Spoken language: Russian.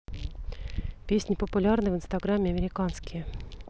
песни популярные в инстаграме американские